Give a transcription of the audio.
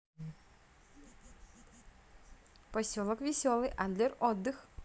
поселок веселый адлер отдых